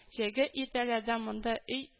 Җәйге иртәләрдә монда өй